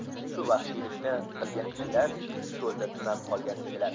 shu vahshiylikni qilgan kishilar cho'lda tunab qolgan edilar